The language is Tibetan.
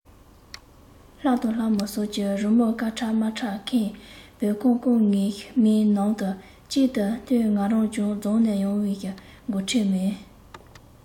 ལྷ དང ལྷ མོ སོགས ཀྱི རི མོ དཀར ཁྲ དམར ཁྲས ཁེངས བོད ཁང ཀུན ངའི མིག ནང དུ གཅིག ཏུ མཐོང ང རང རྫོང ནས ཡོང བའི མགོ ཁྲིད མིན